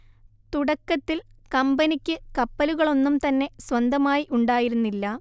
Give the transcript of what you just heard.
തുടക്കത്തിൽ കമ്പനിക്ക് കപ്പലുകളൊന്നും തന്നെ സ്വന്തമായി ഉണ്ടായിരുന്നില്ല